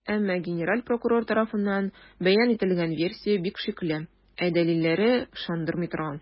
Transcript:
Әмма генераль прокурор тарафыннан бәян ителгән версия бик шикле, ә дәлилләре - ышандырмый торган.